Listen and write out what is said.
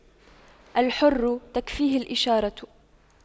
الحر تكفيه الإشارة